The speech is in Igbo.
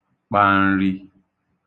kpā n̄rī